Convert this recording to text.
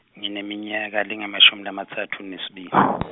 ngineminyaka, lengemashumi lamatsatfu nakubili .